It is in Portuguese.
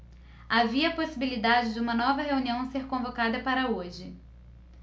havia possibilidade de uma nova reunião ser convocada para hoje